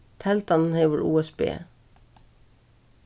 teldan hevur usb